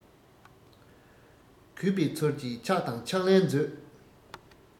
གུས པའི ཚུལ གྱིས ཕྱག དང ཕྱག ལན མཛོད